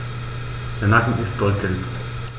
Der Nacken ist goldgelb.